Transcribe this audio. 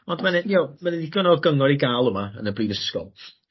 ond ma' 'ne iow- ma' 'na ddigon o gyngor i ga'l yma yn y brifysgol.